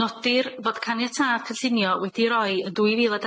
Nodir fod caniatâd cynllunio wedi'i roi yn dwy fil a